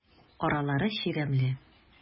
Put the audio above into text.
Аралары чирәмле.